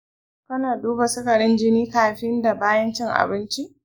kana duba sukarin jini kafin da bayan cin abinci?